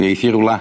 Mi eith hi i rwla.